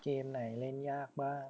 เกมไหนเล่นยากบ้าง